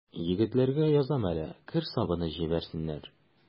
Егетләргә язам әле: кер сабыны җибәрсеннәр.